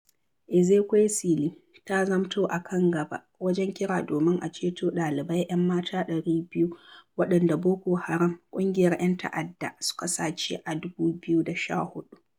Ezekwesili ta zamanto a kan gaba wajen kira domin a ceto ɗalibai 'yan mata 200 waɗanda Boko Haram ƙungiyar 'yan ta'adda suka sace a 2014.